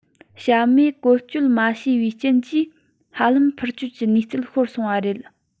བྱ མས བཀོལ སྤྱོད མ བྱས པའི རྐྱེན གྱིས ཧ ལམ འཕུར སྐྱོད ཀྱི ནུས རྩལ ཤོར སོང བ རེད